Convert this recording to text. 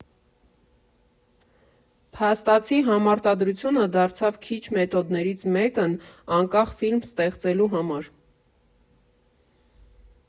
Փաստացի, համարտադրությունը դարձավ քիչ մեթոդներից մեկն անկախ ֆիլմ ստեղծելու համար։